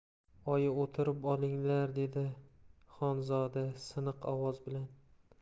oyi o'tirib olinglar dedi xonzoda siniq ovoz bilan